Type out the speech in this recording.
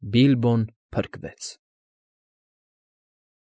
Բիլբոն փրկվեց…